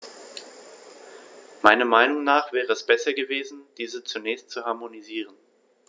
Meiner Meinung nach wäre es besser gewesen, diese zunächst zu harmonisieren.